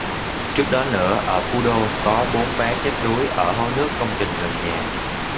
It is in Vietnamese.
trước đó nữa ở phú đô có bốn bé chết đuối ở hố nước công trình gần nhà